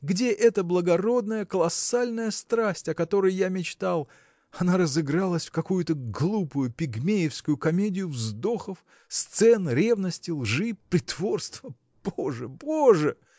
где эта благородная, колоссальная страсть, о которой я мечтал? она разыгралась в какую-то глупую пигмеевскую комедию вздохов сцен ревности лжи притворства – боже! боже!